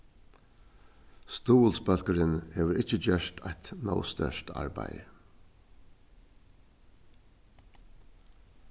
stuðulsbólkurin hevur ikki gjørt eitt nóg stórt arbeiði